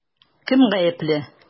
Кем гаепле?